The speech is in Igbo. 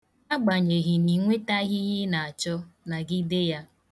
Agbanyeghị na ị nwetaghị ihe ị na-achọ, nagide ya.